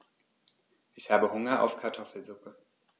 Ich habe Hunger auf Kartoffelsuppe.